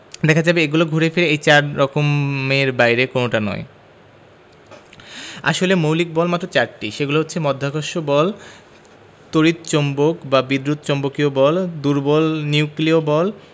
দেখা যাবে এগুলো ঘুরে ফিরে এই চার রকমের বাইরে কোনোটা নয় আসলে মৌলিক বল মাত্র চারটি সেগুলো হচ্ছে মহাকর্ষ বল তড়িৎ চৌম্বক বা বিদ্যুৎ চৌম্বকীয় বল দুর্বল নিউক্লিয় বল